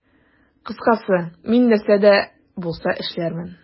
Кыскасы, мин нәрсә дә булса эшләрмен.